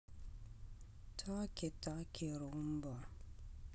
таки таки румба